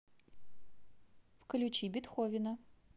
включи бетховена